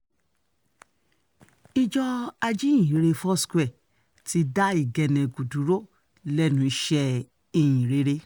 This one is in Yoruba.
Ìjọ Ajíhìnrere Foursquare ti dá Igbeneghu dúró "lẹ́nu iṣẹ́ ìhìn rere".